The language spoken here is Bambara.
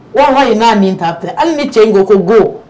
Wala in n'a min ta pe hali ni cɛ ko ko go